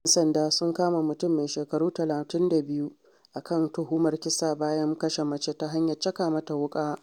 ‘Yan sanda sun kama mutum, mai shekaru 32, a kan tuhumar kisa bayan kashe mace ta hanyar caka mata wuƙa